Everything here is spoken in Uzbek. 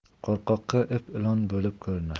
qo'rqoqqa ip ilon bo'lib ko'rinar